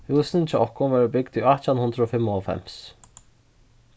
húsini hjá okkum vórðu bygd í átjan hundrað og fimmoghálvfems